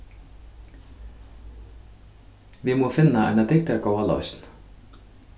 vit mugu finna eina dygdargóða loysn